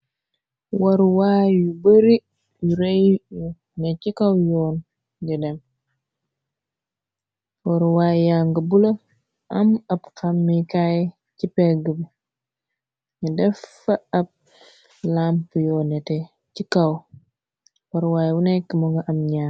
Waruwaay yu bari yu rëy yu ne ci kaw yoon di dem waruwaay yàng bula am ab xamikaay ci pegg bi ne deffa ab lamp yoo nete ci kawwaruwaay yu nekk mo nga am ñyaar.